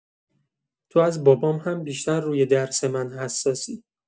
تو از بابام هم بیشتر روی درس من حساسی.